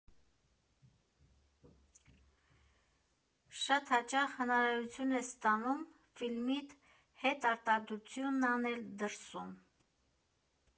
Շատ հաճախ հնարավորություն ես ստանում ֆիլմիդ հետարտադրությունն անել դրսում։